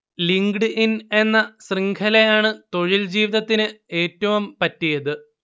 linked in എന്ന ശൃഖലയാണ് തൊഴിൽജീവിതത്തിന് ഏറ്റവും പറ്റിയത്